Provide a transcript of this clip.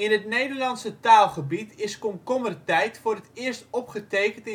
het Nederlandse taalgebied is komkommertijd voor het eerst opgetekend